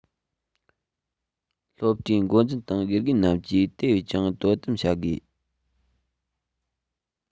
སློབ གྲྭའི འགོ འཛིན དང དགེ རྒན རྣམས ཀྱིས དེ བས ཀྱང དོ དམ བྱ དགོས